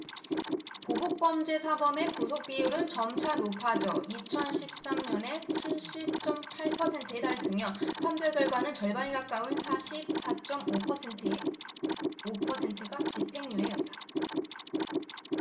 보복 범죄 사범의 구속 비율은 점차 높아져 이천 십 삼 년에 칠십 쩜 팔 퍼센트에 달했으며 판결 결과는 절반에 가까운 사십 사 쩜 오 퍼센트가 집행유예였다